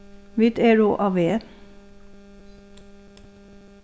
vit eru á veg